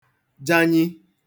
janyi